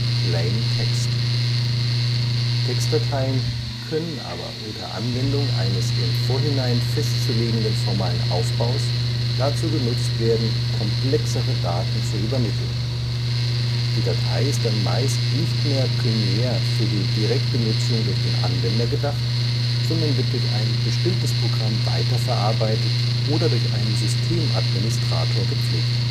Plain text). Textdateien können aber unter Anwendung eines im Vorhinein festzulegenden formalen Aufbaus dazu genutzt werden, komplexere Daten zu übermitteln. Die Datei ist dann meist nicht mehr primär für die direkte Nutzung durch den Anwender gedacht, sondern wird durch ein bestimmtes Programm weiterverarbeitet oder durch einen Systemadministrator gepflegt